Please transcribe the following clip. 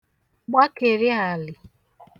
gbakèri àlì